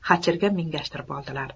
xachirga mingashtirib oldilar